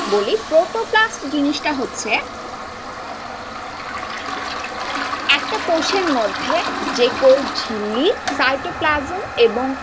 বলি প্রোটোপ্লাস্ট জিনিসটা হচ্ছে একটা কোষের মধ্যে যে কোষ ঝিল্লি সাইটোপ্লাজম এবং